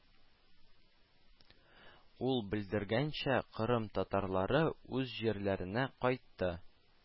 Ул белдергәнчә, Кырым татарлары үз җирләренә кайтты